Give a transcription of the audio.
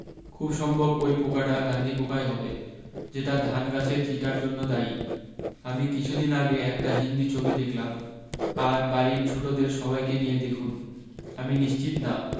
খুব সম্ভব অই পোকাটা গান্ধী পোকাই হবে যেটা ধান গাছের চিটার জন্য দায়ী আমি কিছু দিন আগে একটা হিন্দী ছবি দেখলাম আর বাড়ীর ছোটদের সবাইকে নিয়ে দেখুন আমি নিশ্চিত না